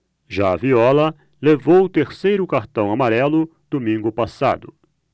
já viola levou o terceiro cartão amarelo domingo passado